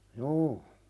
juu